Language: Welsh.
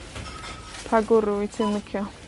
Pa gwrw wyt ti'n licio?